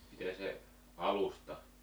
miten se alusta